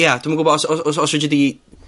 Ia dwi'm yn gwbo os o- os fedri di...